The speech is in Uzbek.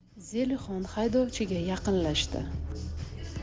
zelixon haydovchiga yaqinlashdi